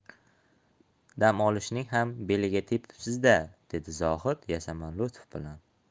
dam olishning ham beliga tepibsiz da dedi zohid yasama lutf bilan